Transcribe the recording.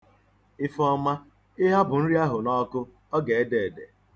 Ifeọma, ị hapụ nri ahụ n'ọkụ, ọ ga-ede ede.